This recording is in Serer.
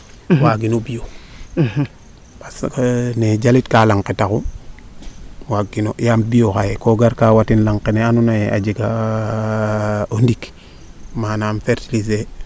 waagino bio parce que nee o jalika laŋ ke taxu waag kino yaam bio xaye ko gar kaa watin laŋ kene ando naye a jega o ndiq manaam (?)